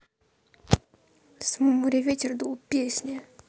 с моря ветер дул песня